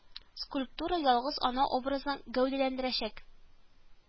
Скульптура ялгыз Ана образын гәүдәләндерәчәк